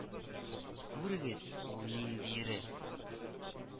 Күрегез, ул нинди эре